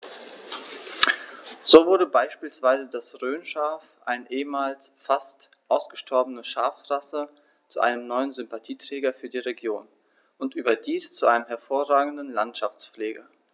So wurde beispielsweise das Rhönschaf, eine ehemals fast ausgestorbene Schafrasse, zu einem neuen Sympathieträger für die Region – und überdies zu einem hervorragenden Landschaftspfleger.